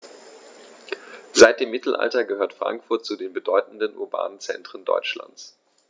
Seit dem Mittelalter gehört Frankfurt zu den bedeutenden urbanen Zentren Deutschlands.